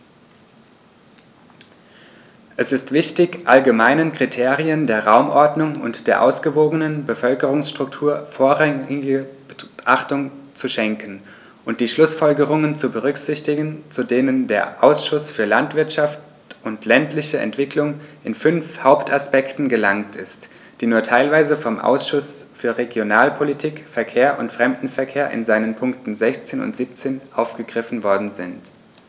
Es ist wichtig, allgemeinen Kriterien der Raumordnung und der ausgewogenen Bevölkerungsstruktur vorrangige Beachtung zu schenken und die Schlußfolgerungen zu berücksichtigen, zu denen der Ausschuss für Landwirtschaft und ländliche Entwicklung in fünf Hauptaspekten gelangt ist, die nur teilweise vom Ausschuss für Regionalpolitik, Verkehr und Fremdenverkehr in seinen Punkten 16 und 17 aufgegriffen worden sind.